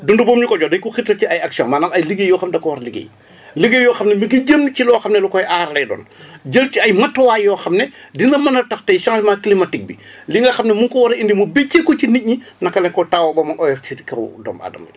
dund boobu ñu ko jox dañ koo xiirtal ci ay actions maanaam ay liggéey yoo xam da koo war a liggéey liggéey yoo xam ne mi ngi jëm ci loo xam ne lu koy aar lay doon jël ci ay matuwaay yoo xam ne dina mën a tax tey changement climatique bi li nga xam ne mu ngi ko war a indi mu béccee ko ci nit ñit ñi naka la ko tawoo ba mu oyof ci kaw doomu aadama ji